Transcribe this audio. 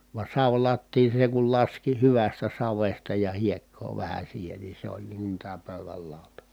vaan savilattian sen kun laski hyvästä savesta ja hiekkaa vähän siihen niin se oli niin kuin tämä pöydän lauta